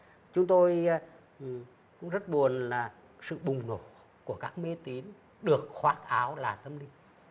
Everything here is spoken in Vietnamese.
chúng tôi cũng rất buồn là sự bùng nổ của các mê tín được khoác áo là tâm linh